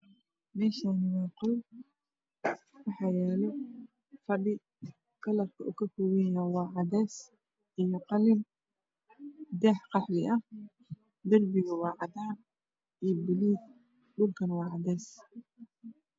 Meeshaani waa hool waxaa yaalo fadhi kalarka uu ka koobanyahay waa cadays iyo qalin daah qaxwi ah darbiga waa cadaan iyo buluug dhulkana waa cadays